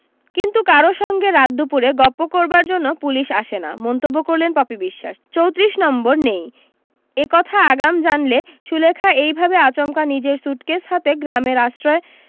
কিন্তু কারো সঙ্গে রাত দুপুরে গপ্পো করবার জন্য পুলিশ আসে না মন্তব্য করলেন পপি বিশ্বাস চোত্রিশ নম্বর নেই একথা আগাম জানলে সুলেখা এইভাবে আচমকা নিজের সুটকেস হাতে গ্রামের আশ্রয়